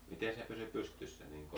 miten se pysyi pystyssä niin korkeana